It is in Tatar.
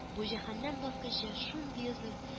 Бу җәһәннәм баскычы шундый озын